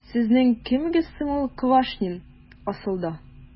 Сезнең кемегез соң ул Квашнин, асылда? ..